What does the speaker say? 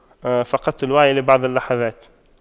فقدت الوعي لبعض اللحظات